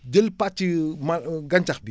jël pàcc ma gàncax bi